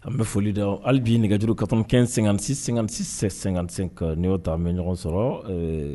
An bɛ foli da hali b'i nɛgɛjuru ka tɔn kɛn sɛgɛnsisen ka n y'o taa bɛ ɲɔgɔn sɔrɔ